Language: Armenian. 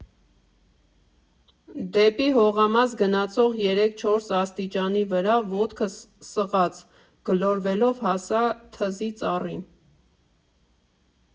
Դեպի հողամաս գնացող երեք֊չորս աստիճանի վրա ոտքս սղաց, գլորվելով հասա թզի ծառին։